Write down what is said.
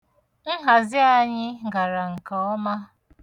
Nhazi anyị gara nke ọma.